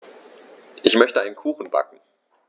Ich möchte einen Kuchen backen.